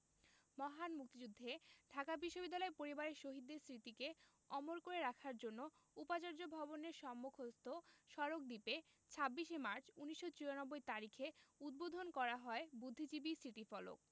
মহান মুক্তিযুদ্ধে ঢাকা বিশ্ববিদ্যালয় পরিবারের শহীদদের স্মৃতিকে অমর করে রাখার জন্য উপাচার্য ভবনের সম্মুখস্থ সড়ক দ্বীপে ২৬ মার্চ ১৯৯৪ তারিখে উদ্বোধন করা হয় বুদ্ধিজীবী স্মৃতিফলক